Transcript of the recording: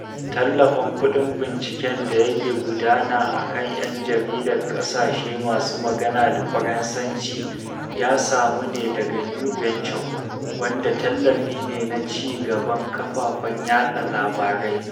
Tallafin kuɗin binciken da yake gudana a kan 'yan jaridar ƙasashe masu magana da Faransanci ya samu ne daga New Venture, wanda tallafi ne na ci gaban kafafen yaɗa labarai.